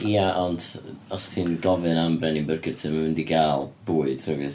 Ia, ond os ti'n gofyn am brenin byrgyr, ti ddim yn mynd i gael bwyd nag wyt.